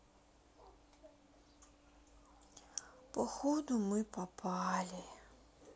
походу мы попали